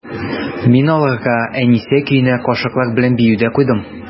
Мин аларга «Әнисә» көенә кашыклар белән бию дә куйдым.